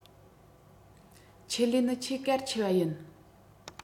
ཆེད ལས ནི ཆེས གལ ཆེ བ ཡིན